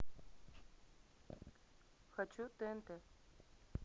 хочу тнт